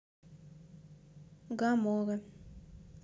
гамора